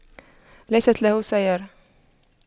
ليست له سيارة